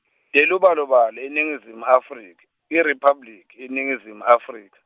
telubalobalo eNingizimu Afrika, IRiphabliki, yeNingizimu Afrika.